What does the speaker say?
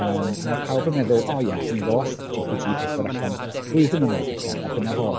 yym a ma' pawb yn meddwl o ia, mi ddoth GPT pedwar allan flwyddyn yn ôl bellach a dyna fo.